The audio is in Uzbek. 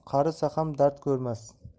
qarisa ham dard ko'rmas